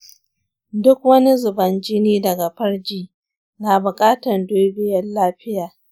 duk wani zuban jini daga farji na buƙatan dubiyan lafiya.